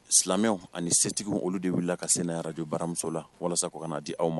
Silamɛwani setigiw olu de wulila ka se n'a ye arajɔ baramuso la walasa ko ka n'a di aw ma